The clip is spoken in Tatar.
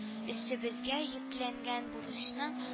Өстебезгә йөкләнгән бурычны